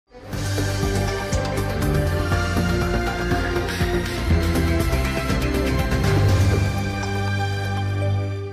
Wa